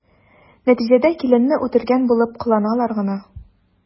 Нәтиҗәдә киленне үтергән булып кыланалар гына.